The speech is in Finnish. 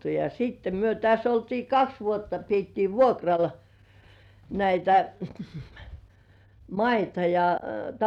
ja sitten me tässä oltiin kaksi vuotta pidettiin vuokralla näitä maita ja